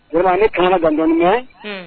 Yɔrɔ ni kaana dan daminɛya